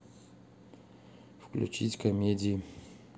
включить комедии